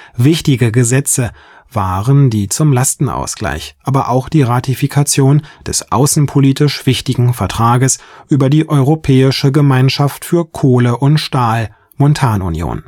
Wichtige Gesetze waren die zum Lastenausgleich, aber auch die Ratifikation des außenpolitisch wichtigen Vertrages über die Europäische Gemeinschaft für Kohle und Stahl (Montanunion